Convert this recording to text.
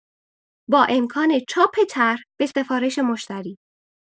با امکان چاپ طرح به سفارش مشتری